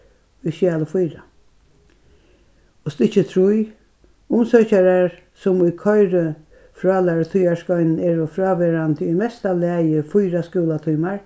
í skjali fýra og stykki trý umsøkjarar sum í koyrifrálærutíðarskeiðnum eru fráverandi í mesta lagi fýra skúlatímar